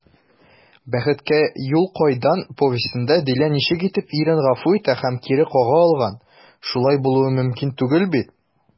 «бәхеткә юл кайдан» повестенда дилә ничек итеп ирен гафу итә һәм кире кага алган, шулай булуы мөмкин түгел бит?»